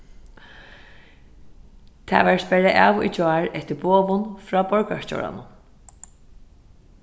tað varð sperrað av í gjár eftir boðum frá borgarstjóranum